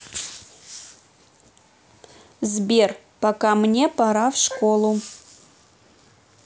сбер пока мне пора в школу